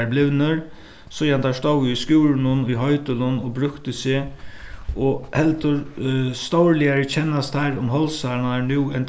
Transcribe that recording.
teir blivnir síðan teir stóðu í skúrinum í hoydølum og brúktu seg og heldur stórligari kennast teir um hálsarnar nú enn